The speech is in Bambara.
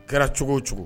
Kɛra cogo o cogo